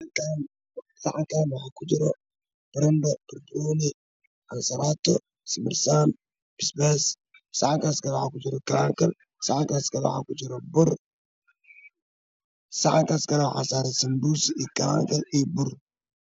Saxankaan waxaa saaran malay karsan baastada midabkeedu waa guduud waxaa ku jira banbanooni io